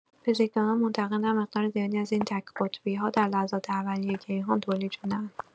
فیزیکدانان معتقدند مقدار زیادی از این تک‌قطبی‌ها در لحظات اولیه کیهان تولید شده‌اند.